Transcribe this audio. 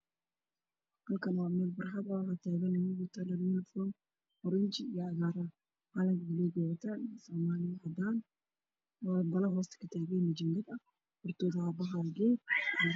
Waa meel banaan waddo ah niman ayaa jooga oo calanka soomaaliya hor u taagayo oo wato shaatiyo cagaar geed tallaal oo cagaar oo weyn ay ka dambeeya